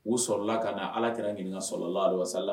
U sɔrɔla ka na Ala Kira ɲininka salahu alehi wasalamu